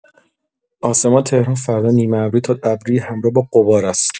آسمان تهران فردا نیمه‌ابری تا ابری همراه با غبار است.